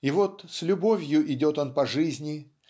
И вот с любовью идет он по жизни